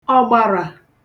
ọ̀gbàrà